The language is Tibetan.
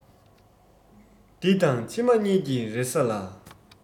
འདི དང ཕྱི མ གཉིས ཀྱི རེ ས ལ